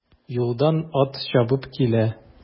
Юлдан ат чабып килә.